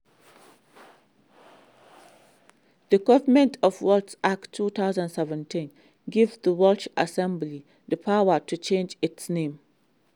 The Government of Wales Act 2017 gave the Welsh assembly the power to change its name.